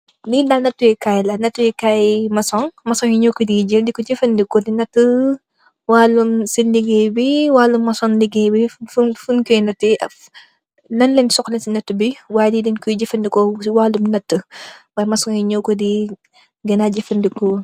Lii nak naté KAAY la, naté KAAY i Masoñg yi ñoo ko de jël di ko jëfënde ko, di nattë, waalum si seen ligeey bi, waalu ligeey yi masoñ yi